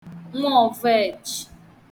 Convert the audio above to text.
nwọọ̀vọejị